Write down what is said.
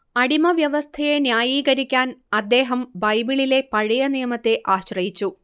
അടിമവ്യവസ്ഥയെ ന്യായീകരിക്കാൻ അദ്ദേഹം ബൈബിളിലെ പഴയനിയമത്തെ ആശ്രയിച്ചു